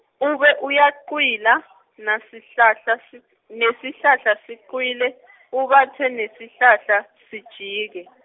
ube uyacwila, nasihlahla si-, nesihlahla sicwile , ubatse nesihlahla, sijike.